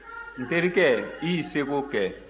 n terikɛ i y'i seko kɛ